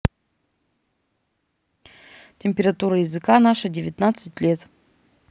температура языка наша девятнадцать лет